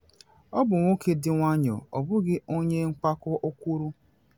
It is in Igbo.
“Ọ bụ nwoke dị nwayọ, ọ bụghị onye mpako,” o kwuru.